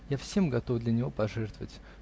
я всем готов для него пожертвовать".